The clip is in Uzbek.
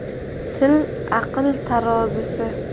til aql tarozusi